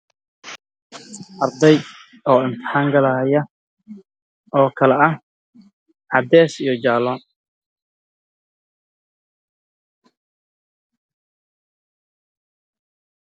Waa gabdho ku jiro imtixaan